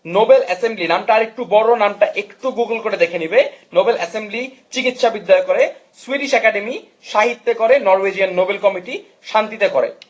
Nobel assembly নাম টা আর একটু বড় নামটা একটু গুগল করে দেখে নেবে নোবেল অ্যাসেম্বলি চিকিৎসাবিদ্যা করে পুলিশ একাডেমি সাহিত্য করে নোবেল কমিটি শান্তিতে করে